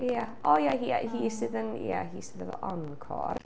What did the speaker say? Ia, o ia, hi sydd yn... ia hi sydd efo Encôr.